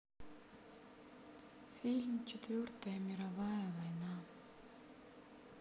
фильм четвертая мировая война